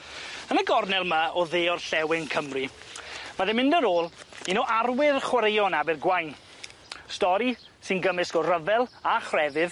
Yn y gornel 'ma o dde orllewin Cymru ma' fi mynd yn ôl un o arwyr chwaraeon Abergwaun, stori sy'n gymysg o ryfel a chrefydd,